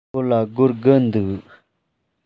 ཁོ ལ སྒོར དགུ འདུག